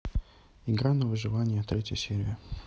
игра на выживание третья серия